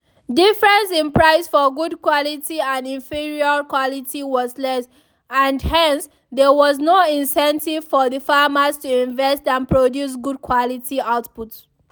Difference in price for good quality and inferior quality was less, and hence there was no incentive for the farmers to invest and produce good quality output.